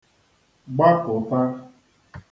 gbapụ̀ta